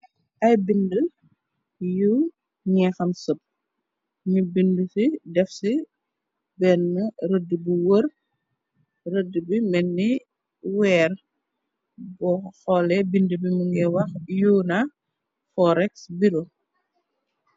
Ay bindi yu ñi ham sëb nu bindi fi def ci benn rëdd bu wër, rëdd du bi menni weer. bo hoolè bindi bi mu ngi wah yonna forex beareur.